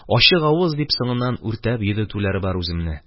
Ачык авыз, дип, соңыннан үртәп йөдәтүләре бар үземне.